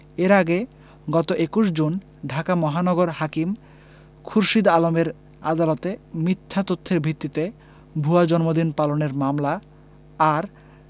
এর আগে গত ২১ জুন ঢাকা মহানগর হাকিম খুরশীদ আলমের আদালতে মিথ্যা তথ্যের ভিত্তিতে ভুয়া জন্মদিন পালনের মামলা আর